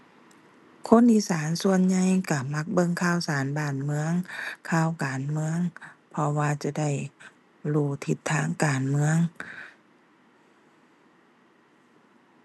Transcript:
คนอีสานส่วนใหญ่ก็มักเบิ่งข่าวสารบ้านเมือง ข่าวการเมือง เพราะว่าจะได้รู้ทิศทางการเมือง